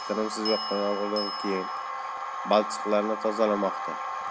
tinimsiz yoqqan yomg'irlardan keyin balchiqlarni tozalamoqda